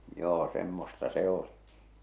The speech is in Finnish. joo semmoista se oli